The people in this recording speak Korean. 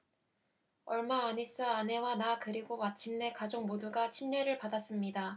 얼마 안 있어 아내와 나 그리고 마침내 가족 모두가 침례를 받았습니다